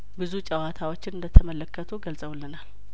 ብዙ ጨዋታዎችን እንደተመለከቱ ገልጸውልናል